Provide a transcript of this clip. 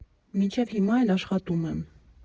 Մինչև հիմա էլ աշխատում եմ։